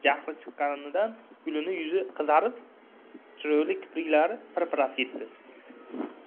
jahli chiqqanidan gulining yuzi qizarib chiroyli kipriklari pirpirab ketdi